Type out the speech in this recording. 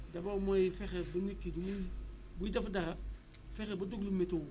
d' abord mooy fexe ba nit ki li muy buy def dara fexe ba déglu météo